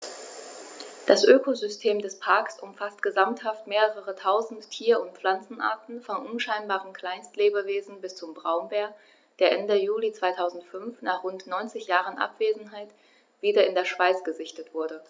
Das Ökosystem des Parks umfasst gesamthaft mehrere tausend Tier- und Pflanzenarten, von unscheinbaren Kleinstlebewesen bis zum Braunbär, der Ende Juli 2005, nach rund 90 Jahren Abwesenheit, wieder in der Schweiz gesichtet wurde.